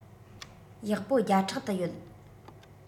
ཡག པོ བརྒྱ ཕྲག དུ ཡོད